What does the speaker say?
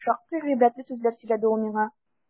Шактый гыйбрәтле сүзләр сөйләде ул миңа.